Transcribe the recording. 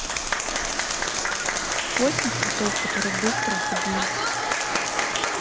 восемь цветов которые быстро забылись